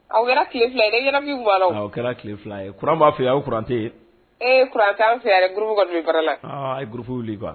Aw kɛra tilelefi ye min b'a la aw kɛra tile fila ye kuran b'a fɛ ye awurante ye ee kurantɛ an fɛ burup kɔni min fara la buruugu wuli wa